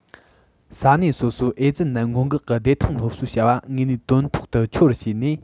ས གནས སོ སོའི ཨེ ཙི ནད སྔོན འགོག གི བདེ ཐང སློབ གསོའི བྱ བ དངོས གནས དོན ཐོག ཏུ འཁྱོལ བར བྱས ནས